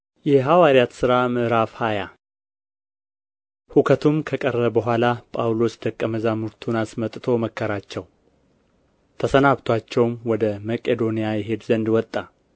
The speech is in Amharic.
የሐዋርያት ሥራ ምዕራፍ ሃያ ሁከቱም ከቀረ በኋላ ጳውሎስ ደቀ መዛሙርቱን አስመጥቶ መከራቸው ተሰናብቶአቸውም ወደ መቄዶንያ ይሄድ ዘንድ ወጣ